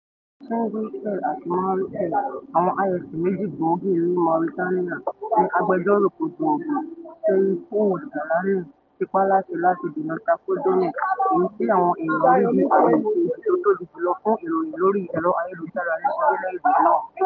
Chinguitel àti Mauritel, àwọn ISP méjì gbòógì ní Mauritania ni agbejọ́rọ̀ gbogboogbò, Seyid Ould Ghaïlani, ti pa láṣẹ láti dèna Taqadoumy, èyí tí àwọn èèyan ń rí bí ààyè kejì tó tòbí jùlọ̀ fún ìròyìn lórí ẹ̀rọ ayèlujára ní orílẹ̀ èdè náà.